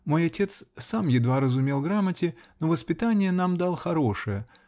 Мой отец сам едва разумел грамоте, но воспитание нам дал хорошее.